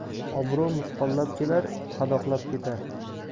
obro' misqollab kelar qadoqlab ketar